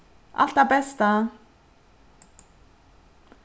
alt tað besta